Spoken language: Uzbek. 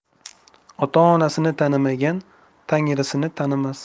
ota onasini tanimagan tangrisini tanimas